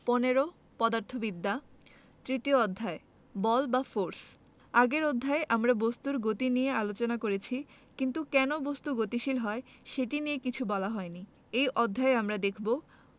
১৫ পদার্থবিদ্যা তৃতীয় অধ্যায় বল বা Force আগের অধ্যায়ে আমরা বস্তুর গতি নিয়ে আলোচনা করেছি কিন্তু কেন বস্তু গতিশীল হয় সেটি নিয়ে কিছু বলা হয়নি এই অধ্যায়ে আমরা দেখব